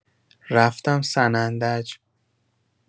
رفتم سنندج.